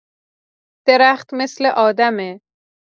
درخت مثل آدمه.